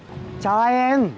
chào hai em